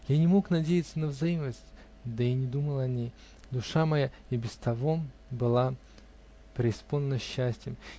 Я не мог надеяться на взаимность, да и не думал о ней: душа моя и без того была преисполнена счастием.